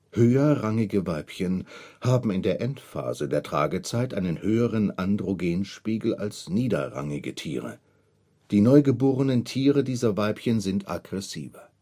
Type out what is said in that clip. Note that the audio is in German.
Höherrangige Weibchen haben in der Endphase der Tragzeit einen höheren Androgenspiegel als niederrangige Tiere; die neugeborenen Tiere dieser Weibchen sind aggressiver